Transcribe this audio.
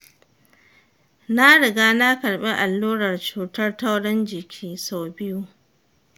na riga na karɓi allurar cutar taurin jiki sau biyu.